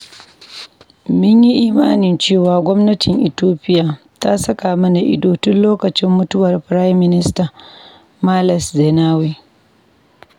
Mun yi imanin cewa, gwamnatin Ethiopia ta saka mana ido tun lokacin mutuwar Firaminista Males Zenawi.